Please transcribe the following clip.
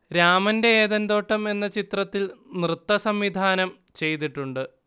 രാമന്റെ ഏദൻതോട്ടം എന്ന ചിത്രത്തിൽ നൃത്തസംവിധാനം ചെയ്തിട്ടുണ്ട്